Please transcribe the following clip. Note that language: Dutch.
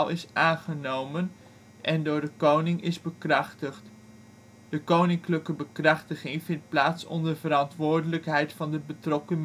is aangenomen ' en door de Koning is bekrachtigd ' (art. 87, lid 1). De koninklijke bekrachtiging vindt plaats onder verantwoordelijkheid van de betrokken minister